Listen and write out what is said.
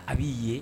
A b'i ye